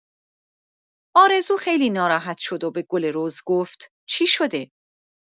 آرزو خیلی ناراحت شد و به گل رز گفت: چی شده؟